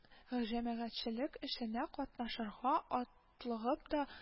Җәмәгатьчелек эшенә катнашырга атлыгып та